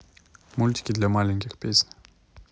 мультики для маленьких песни